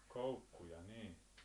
koukkuja niin